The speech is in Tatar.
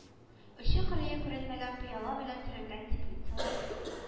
Очы-кырые күренмәгән пыяла белән төренгән теплицалар